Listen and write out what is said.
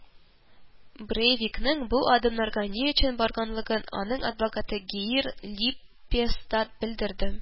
Брейвикның бу адымнарга ни өчен барганлыгын аның адвокаты Геир Липпестад белдерде